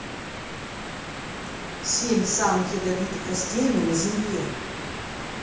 семь самых ядовитых растений на земле